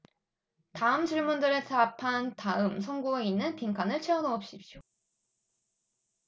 다음 질문들에 답한 다음 성구에 있는 빈칸을 채워 넣으십시오